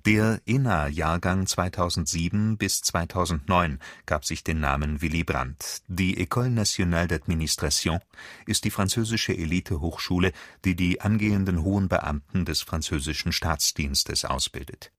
Der ENA-Jahrgang 2007 – 2009 gab sich den Namen „ Willy Brandt “. Die École nationale d'administration ist die französische Elitehochschule, die die angehenden hohen Beamten des französischen Staatsdienstes ausbildet